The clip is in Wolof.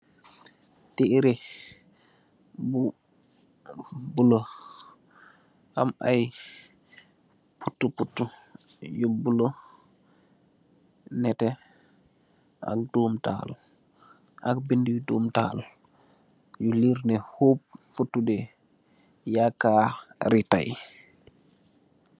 Taireh, bu buleuh, am aye, putu putu yu buleuh, neteh ak doom tahal, ak bindhi yu doom tahal, yu liir neh, hope for today, yakaari tay.